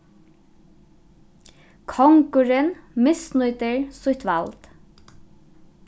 kongurin misnýtir sítt vald